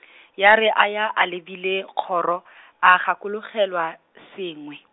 ya re a ya a lebile kgoro , a gakologelwa, sengwe.